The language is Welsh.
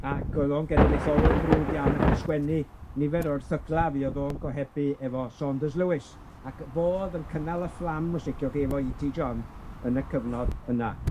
ac oedd o'n genedlaetholwr brwd iawn ag yn sgwennu nifer o erthygla, fuodd o'n gohebu efo Saunders Lewis, ac fo o'dd yn cynnal y fflam, os liciwch chi, efo Ee Tee John yn y cyfnod yna.